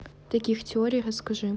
таких теорий расскажи